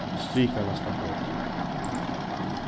strika næsta brot